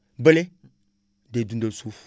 bële day dundal suuf